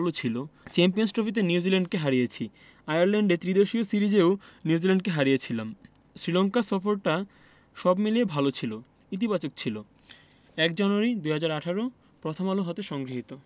ভালো ফলও ছিল চ্যাম্পিয়নস ট্রফিতে নিউজিল্যান্ডকে হারিয়েছি আয়ারল্যান্ডে ত্রিদেশীয় সিরিজেও নিউজিল্যান্ডকে হারিয়েছিলাম শ্রীলঙ্কা সফরটা সব মিলিয়ে ভালো ছিল ইতিবাচক ছিল ০১ জানুয়ারি ২০১৮ প্রথম আলো হতে সংগৃহীত